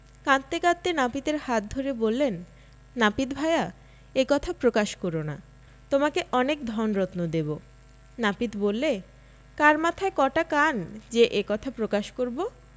কাঁদতে কাঁদতে নাপিতের হাতে ধরে বললেন নাপিত ভায়া এ কথা প্রকাশ কর না তোমাকে অনেক ধনরত্ন দেব নাপিত বললে কার মাথায় কটা কান যে এ কথা প্রকাশ করব